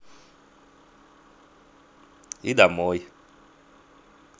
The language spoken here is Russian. и домой